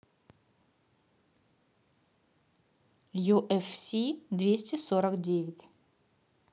юфс двести сорок девять